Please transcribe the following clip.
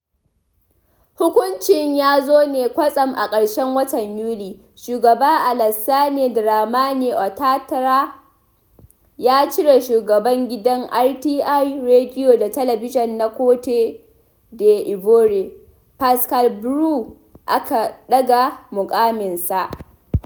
Hukuncin ya zo ne kwatsam a ƙarshen watan Yuli: Shugaba Alassane Dramane Ouattara ya cire Shugaban gidan RTI (Rediyo da Talabijin na Côte d'Ivoire), Pascal Brou Aka daga muƙaminsa.